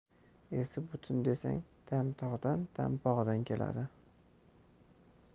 esi butun desang dam tog'dan dam bog'dan keladi